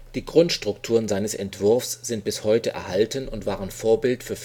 Die Grundstrukturen seines Entwurfs sind bis heute erhalten und waren Vorbild für